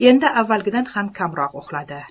endi avvalgidan ham kamroq uxladi